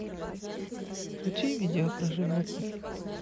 включи видео про животных